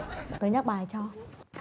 tớ nhắc bài cho